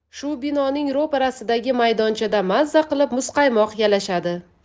shu binoning ro'parasidagi maydonchada mazza qilib muzqaymoq yalashadi